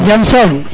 jam som